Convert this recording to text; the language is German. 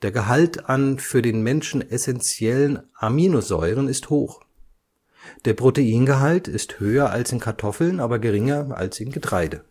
Gehalt an für den Menschen essentiellen Aminosäuren ist hoch. Der Proteingehalt ist höher als in Kartoffeln, aber geringer als in Getreide